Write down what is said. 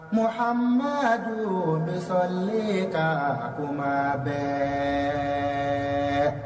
M ma dogo bɛ sɔnlen ka ko ma bɛɛ